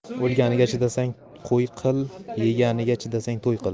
o'lganiga chidasang qo'y qil yeganiga chidasang to'y qil